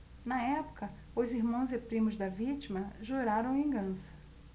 na época os irmãos e primos da vítima juraram vingança